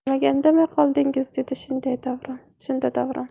nimaga indamay qoldingiz dedi shunda davron